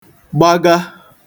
gbaga